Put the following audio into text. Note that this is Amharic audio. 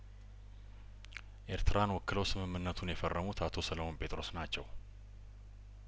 ኤርትራን ወክለው ስምምነቱን የፈረሙት አቶ ሰለሞን ጴጥሮስ ናቸው